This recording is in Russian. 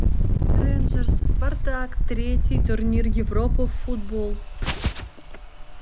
рейнджерс спартак третий турнир европа в футбол